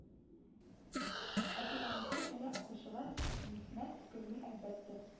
Әти-әнисе хәлле укучылар михнәт күрми әлбәттә